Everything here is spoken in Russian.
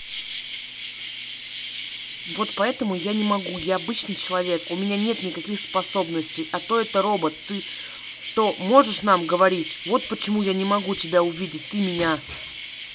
вот поэтому я не могу я обычный человек у меня нет никаких способностей а то это робот ты то можешь нам говорить вот почему я не могу тебя увидеть ты меня